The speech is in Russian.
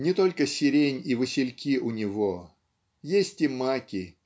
Не только сирень и васильки у него -- есть и маки